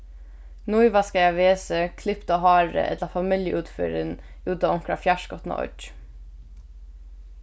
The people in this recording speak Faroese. nývaskaða vesið klipta hárið ella familjuútferðin út á onkra fjarskotna oyggj